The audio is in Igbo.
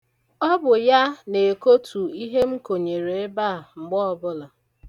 Ọ bụ ya na-ekotu ihe m konyere ebe a mgbe ọbụla.